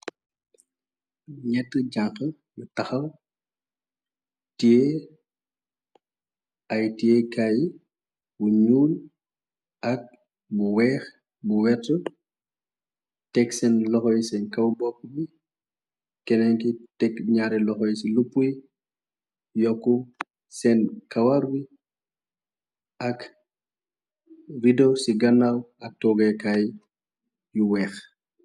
ñett jànx ñu taxaw tiée ay tiékaay bu ñuun ak bu weex bu wet teg seen loxoy seen kaw bopp bi kenenki teg naare loxoy ci lupuy yokku seen kawar wi ak video ci ganaaw ak toggekaay yu weex